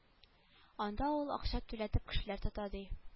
Анда ул акча түләтеп кешеләр тота ди